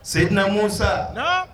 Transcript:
Seyidina Musa, Naamu